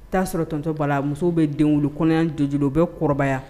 T'a sɔrɔ tɔnontɔ' la musow bɛ den wu kɔnɔ jo bɛ kɔrɔbaya